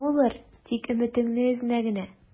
Булыр, тик өметеңне өзмә генә...